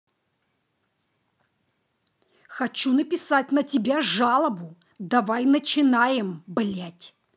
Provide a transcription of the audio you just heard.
хочу написать на тебя жалобу давай начинаем блядь